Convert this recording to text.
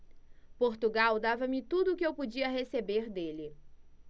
portugal dava-me tudo o que eu podia receber dele